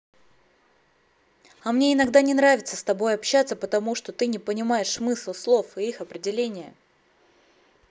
а мне иногда не нравится с тобой общаться потому что ты не понимаешь смысл слов и их определения